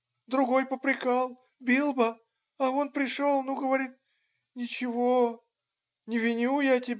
другой попрекал, бил бы, а он пришел - ну, говорит, ничего. не виню я тебя.